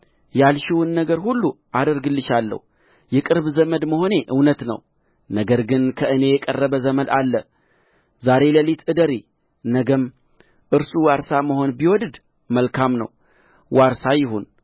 ያልሽውን ነገር ሁሉ አደርግልሻለሁ የቅርብ ዘመድ መሆኔ እውነት ነው ነገር ግን ከእኔ የቀረበ ዘመድ አለ ዛሬ ሌሊት እደሪ ነገም እርሱ ዋርሳ መሆን ቢወድድ መልካም ነው ዋርሳ ይሁን